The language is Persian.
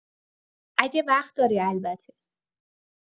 اگه وقت داری البته!